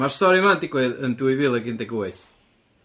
Ma'r stori yma'n digwydd yn dwy fil ag un deg wyth.